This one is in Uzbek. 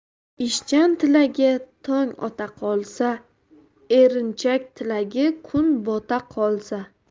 ishchan tilagi tong ota qolsa erinchak tilagi kun bota qolsa